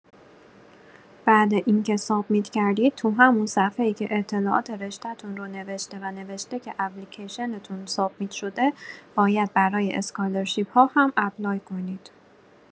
بعد اینکه سابمیت کردید، تو همون صفحه‌ای که اطلاعات رشته‌تون رو نوشته و نوشته که اپلیکیشن‌تون سابمیت شده، باید برای اسکالرشیپ‌ها هم اپلای کنید.